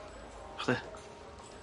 Chdi?